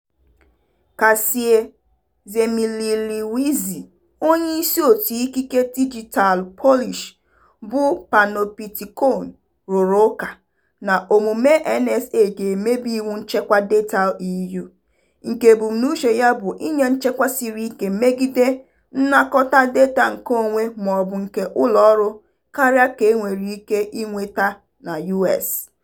Kasia Szymielewicz, onyeisi òtù ikike dijitaalụ Polish bụ Panoptykon, rụrụ ụka na omume NSA ga-emebi iwu nchekwa data EU, nke ebumnuche ya bụ inye nchekwa siri ike megide nnakọta data nkeonwe maọbụ nke ụlọọrụ karịa ka e nwere ike inweta na US.